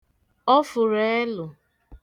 ọfụ̀rụ̀ ẹlù